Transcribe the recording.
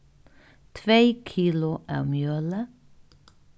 tvey kilo av mjøli